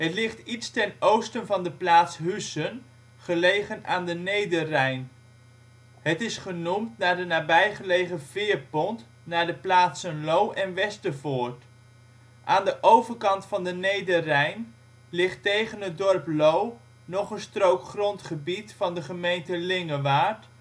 ligt iets ten oosten van de plaats Huissen gelegen aan de Nederrijn. Het is genoemd naar de nabijgelegen veerpont naar de plaatsen Loo en Westervoort. Aan de overkant van de Nederrijn ligt tegen het dorp Loo, nog een strook grondgebied van de gemeente Lingewaard